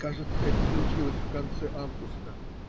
Кажется, это случилось в конце августа.